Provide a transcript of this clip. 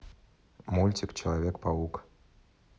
мультик человек паук